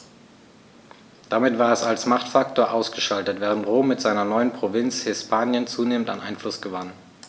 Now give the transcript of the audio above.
Damit war es als Machtfaktor ausgeschaltet, während Rom mit seiner neuen Provinz Hispanien zunehmend an Einfluss gewann.